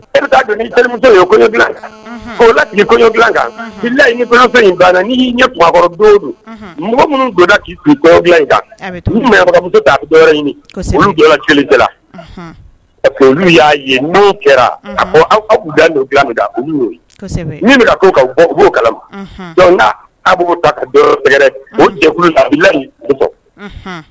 I bɛ dontu ye kɔɲɔ la kɔɲɔ dila kani layifɛn banna ni'i ɲɛ gakɔrɔ don don mɔgɔ minnu donnada k'iyɔ in ɲini jɔ kelenla' oluolu y'a ye n'o kɛra a aw ka da min u'o min bɛ ko ka bɔ u b'o kala awbuɛrɛ jɛ la la bɔ